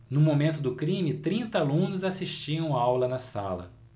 no momento do crime trinta alunos assistiam aula na sala